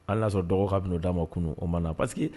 Hali y'a sɔrɔ dɔgɔ ka bɛna d'a ma kunun o ma na parce